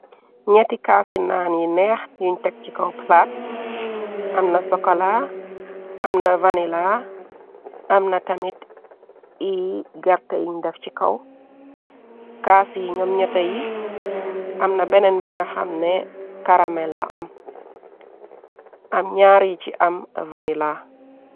Ñetti kaasi naan yu neex, yuñ tek ci kaw plate, amna sokola, am na vanila, am na tamit iy garta yiñ def ci kaw, kaas yi ñoom ñette yi, amna beneen bi nga xamne karamel la am, am ñaar yi ci am vanilaa.